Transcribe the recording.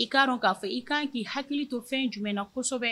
I k'a dɔn k'a fɔ i kan k'i hakili to fɛn jumɛn na kosɛbɛ